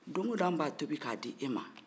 don o don an b'a tobi k'a di e man